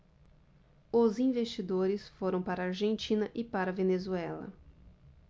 os investidores foram para a argentina e para a venezuela